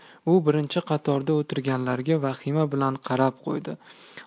u birinchi qatorda o'tirganlarga vahima bilan qarab qo'ydi